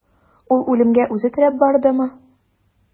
Ул үлемгә үзе теләп бардымы?